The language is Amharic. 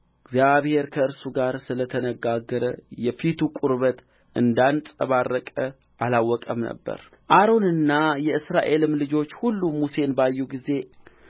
እግዚአብሔር ከእርሱ ጋር ስለ ተነጋገረ የፊቱ ቁርበት እንዳንጸባረቀ አላወቀም ነበር አሮንና የእስራኤልም ልጆች ሁሉ ሙሴን ባዩ ጊዜ